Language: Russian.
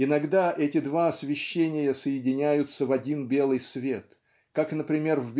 Иногда эти два освещения соединяются в один белый свет как например